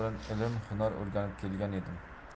ilm hunar o'rganib kelgan edim